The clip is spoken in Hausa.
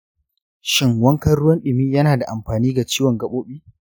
shin wankan ruwan dumi yana da amfani ga ciwon gabobi?